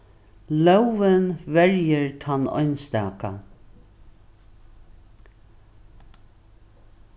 lógin verjir tann einstaka